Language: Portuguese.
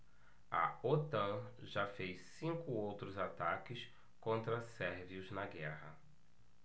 a otan já fez cinco outros ataques contra sérvios na guerra